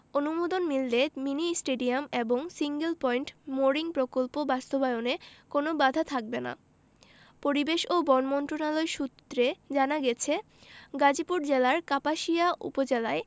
অনুমোদন মিললে mini stadium এবং সিঙ্গেল পয়েন্ট মোরিং প্রকল্প বাস্তবায়নে কোনো বাধা থাকবে না পরিবেশ ও বন মন্ত্রণালয় সূত্রে জানা গেছে গাজীপুর জেলার কাপাসিয়া উপজেলায়